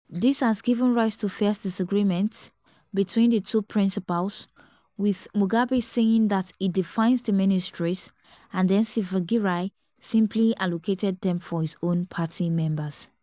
This has given rise to fierce disagreements between the two principals, with Mugabe saying that he defines the ministries and then Tsvangirai simply allocated them for his own party members.